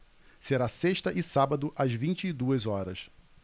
será sexta e sábado às vinte e duas horas